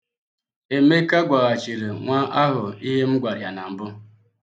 Emeka gwaghachịrị nwa ahụ ihe m gwara ya na mbu.